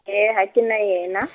hee, ha kena yena.